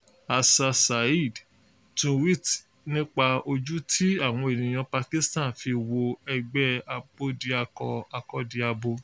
Asad Zaidi túwíìtì nípa ojú tí àwọn ènìyàn Pakistan fi wo ẹgbẹ́ Abódiakọ-akọ́diabo: